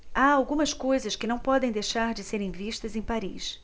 há algumas coisas que não podem deixar de serem vistas em paris